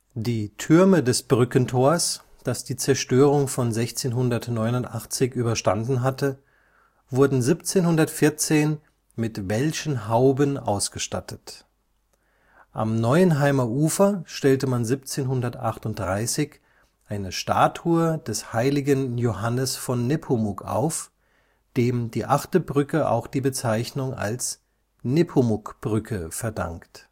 Die Türme des Brückentors, das die Zerstörung von 1689 überstanden hatte, wurden 1714 mit welschen Hauben ausgestattet. Am Neuenheimer Ufer stellte man 1738 eine Statue des Heiligen Johannes von Nepomuk auf, dem die achte Brücke auch die Bezeichnung als „ Nepomuk-Brücke “verdankt